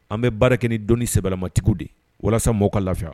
An bɛ baara kɛ ni don sɛbɛlamatigiw de ye, walasa mɔgɔw ka lafiya.